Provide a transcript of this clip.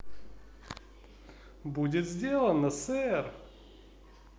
будет сделано сэр